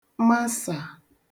masà